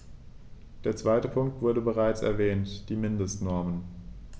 Der zweite Punkt wurde bereits erwähnt: die Mindestnormen.